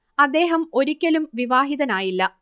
അദ്ദേഹം ഒരിക്കലും വിവാഹിതനായില്ല